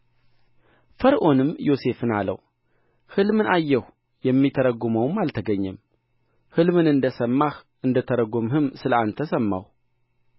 ፈርዖንም ዮሴፍን አለው ሕልምን አየሁ የሚተረጕመውም አልተገኘም ሕልምን እንደ ሰማህ እንደ ተረጐምህም ስለ አንተ ሰማሁ